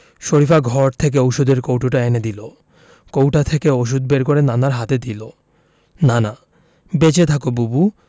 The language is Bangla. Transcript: আবুর বাবা দুবাইতে আজ দুবছর হলো গেছে ঈদ করতে এসেছে কয়েকদিন হলো